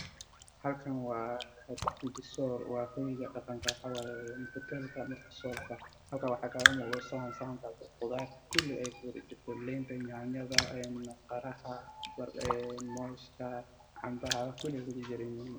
Waa saxan cadaan waxaa ku jirta khudaar liin midabkeedii ay gaalo yeel khudaar kaloo cagaaran